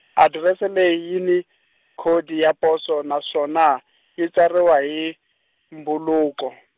adirese leyi yi ni, khodi ya poso naswona, yi tsariwa hi, mbhuluko.